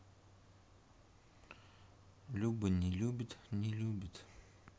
люба не любит не любит